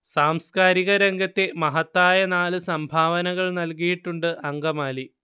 സാംസ്കാരിക രംഗത്തെ മഹത്തായ നാല് സംഭാവനകൾ നൽകിയിട്ടുണ്ട് അങ്കമാലി